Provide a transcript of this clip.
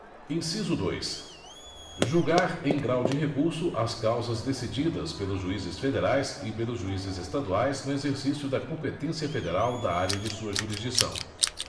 inciso dois julgar em grau de recurso as causas decididas pelos juízes federais e pelos juízes estaduais no exercício da competência federal da área de sua jurisdição